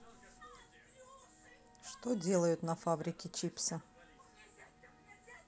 что делают на фабрике чипсы